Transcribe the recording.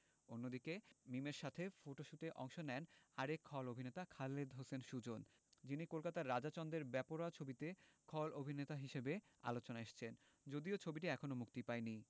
অন্যদিকে মিমের সাথে ফটশুটে অংশ নেন আরেক খল অভিনেতা খালেদ হোসেন সুজন যিনি কলকাতার রাজা চন্দের বেপরোয়া ছবিতে খল অভিননেতা হিসেবে আলোচনায় এসেছেন যদিও ছবিটি মুক্তি পায়নি